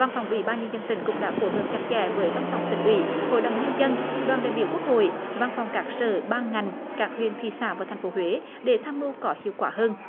văn phòng ủy ban nhân dân tỉnh cũng đã phối hợp chặt chẽ với văn phòng tỉnh ủy hội đồng nhân dân đoàn đại biểu quốc hội văn phòng các sở ban ngành các huyện thị xã và thành phố huế để tham mưu có hiệu quả hơn